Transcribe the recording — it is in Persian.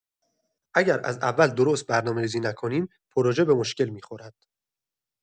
اگر از اول درست برنامه‌ریزی نکنیم، پروژه به مشکل می‌خورد.